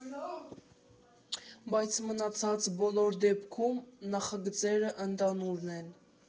Բայց մնացած բոլոր դեպքում նախագծերը ընդհանուր են։